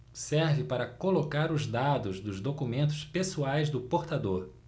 serve para colocar os dados dos documentos pessoais do portador